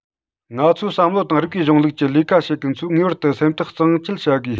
ང ཚོའི བསམ བློ དང རིགས པའི གཞུང ལུགས ཀྱི ལས ཀ བྱེད མཁན ཚོས ངེས པར དུ སེམས ཐག གཙང བཅད བྱ དགོས